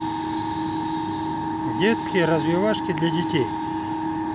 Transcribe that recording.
детские развивашки для детей